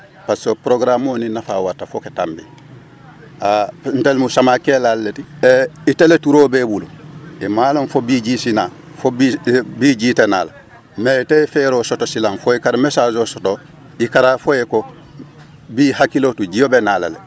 parce que programme